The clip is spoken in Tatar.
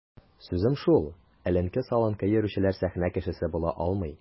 Сүзем шул: эленке-салынкы йөрүчеләр сәхнә кешесе була алмый.